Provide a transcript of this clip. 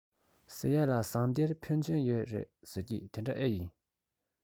ཟེར ཡས ལ ཟངས གཏེར འཕོན ཆེན ཡོད རེད ཟེར གྱིས དེ འདྲ ཨེ ཡིན